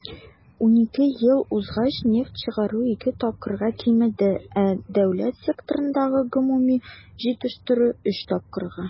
12 ел узгач нефть чыгару ике тапкырга кимеде, ә дәүләт секторындагы гомуми җитештерү - өч тапкырга.